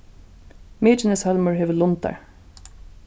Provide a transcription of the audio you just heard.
mykineshólmur hevur lundar